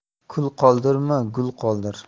kul qoldirma gul qoldir